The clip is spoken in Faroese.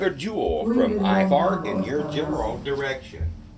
hví vil hon hava eitt av hasum